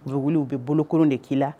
U bɛ wuli, u bɛ bolo kolon de k'i la